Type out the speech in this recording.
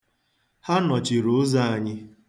Ha nọchiri ụzọ anyị